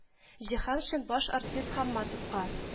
Җиһаншин баш артист Хамматовка: